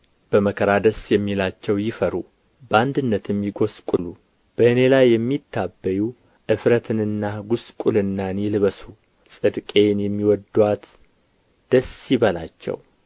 በመከራዬ ደስ የሚላቸው ይፈሩ በአንድነትም ይጐስቍሉ በእኔ ላይ የሚታበዩ እፍረትንና ጕስቍልናን ይልበሱ ጽድቄን የሚወድዱአት ደስ ይበላቸው